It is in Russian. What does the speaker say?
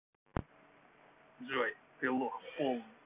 джой ты лох полный